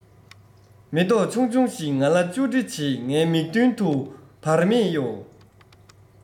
མེ ཏོག ཆུང ཆུང ཞིག ང ལ ཅོ འདྲི བྱེད ངའི མིག མདུན དུ བར མེད གཡོ